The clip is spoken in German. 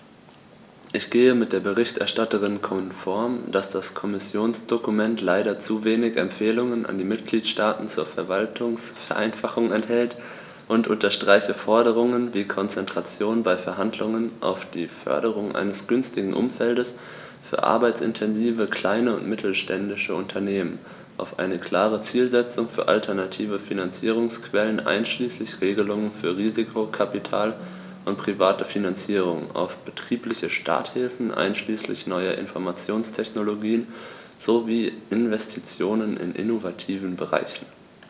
Ich gehe mit der Berichterstatterin konform, dass das Kommissionsdokument leider zu wenig Empfehlungen an die Mitgliedstaaten zur Verwaltungsvereinfachung enthält, und unterstreiche Forderungen wie Konzentration bei Verhandlungen auf die Förderung eines günstigen Umfeldes für arbeitsintensive kleine und mittelständische Unternehmen, auf eine klare Zielsetzung für alternative Finanzierungsquellen einschließlich Regelungen für Risikokapital und private Finanzierung, auf betriebliche Starthilfen einschließlich neuer Informationstechnologien sowie Investitionen in innovativen Bereichen.